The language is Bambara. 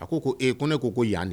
A ko ko e ko ne ko ko yan de